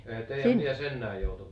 eihän teidän mies enää joutunut